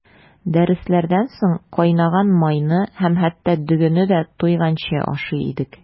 Дәресләрдән соң кайнаган майны һәм хәтта дөгене дә туйганчы ашый идек.